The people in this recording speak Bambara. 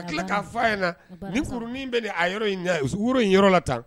Tila fɔ na ni furu min bɛ in yɔrɔ la tan